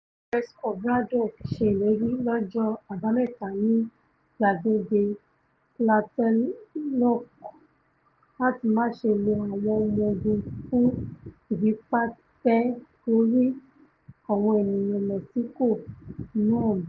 Lopez Obrador ṣe ìlérí lọ́jọ́ Àbámẹta nì Gbàgede Tlatelolco láti ''máṣe lo àwọn ọmọ ogun fún ìfipatẹ-orí àwọn ènìyàn Mẹ́ṣíkò náà ba.''